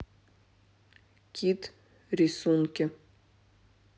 кит рисунки